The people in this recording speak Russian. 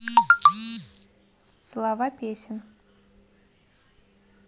слова песен